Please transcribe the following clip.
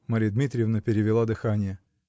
-- Марья Дмитриевна перевела дыхание.